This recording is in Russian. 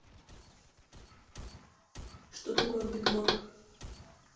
что такое бигмак